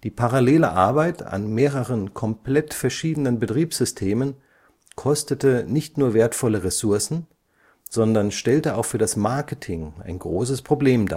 parallele Arbeit an mehreren komplett verschiedenen Betriebssystemen kostete nicht nur wertvolle Ressourcen, sondern stellte auch für das Marketing ein großes Problem